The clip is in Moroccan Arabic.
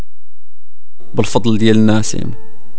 بالفضل زي الناس